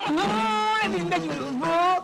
Faama